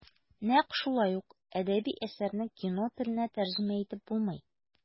Нәкъ шулай ук әдәби әсәрне кино теленә тәрҗемә итеп булмый.